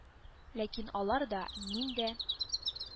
Ләкин алар да, мин дә